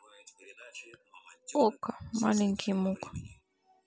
окко маленький мук